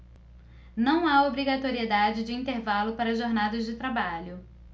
não há obrigatoriedade de intervalo para jornadas de trabalho